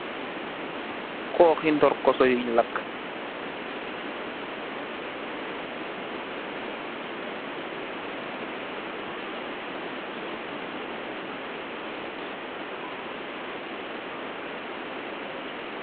Xoox i ndar kaso yuñ lakë.